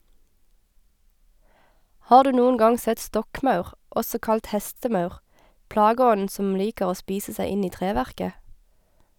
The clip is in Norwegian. Har du noen gang sett stokkmaur, også kalt hestemaur, plageånden som liker å spise seg inn i treverket?